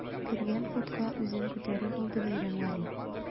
Кергән хутка үзен күтәреп алды Бәйрәмгали.